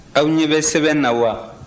aw ɲɛ bɛ sɛbɛn na wa